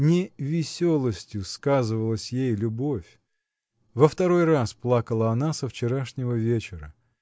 Не веселостью сказывалась ей любовь: во второй раз плакала она со вчерашнего вечера.